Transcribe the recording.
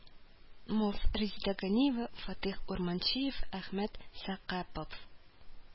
Мов, резедә ганиева, фатыйх урманчиев, әхмәт сәхапов,